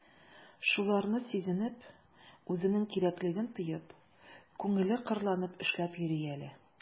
Шуларны сизенеп, үзенең кирәклеген тоеп, күңеле кырланып эшләп йөри әле...